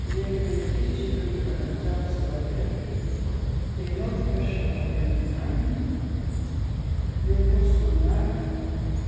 eg vil ikki brúka gjaldsleiðir er nógv ferðsla á vegnum heim vel postnummar